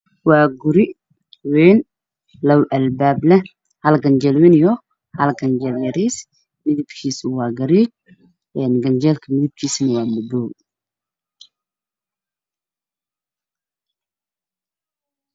Waa guri weyn labo albaab leh hal ganjeel weyn iyo hal ganjeel yariis midabkiisu wa gaduud canjeelka midabkiisana waa madow